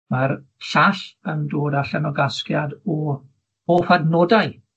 Ma'r llall yn dod allan o gasgliad o o hadnodau